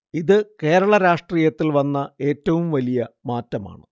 ഇത് കേരള രാഷ്ട്രീയത്തിൽ വന്ന ഏറ്റവും വലിയ മാറ്റമാണ്